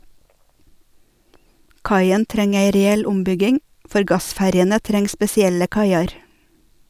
Kaien treng ei reell ombygging, for gassferjene treng spesielle kaiar.